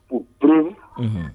O tun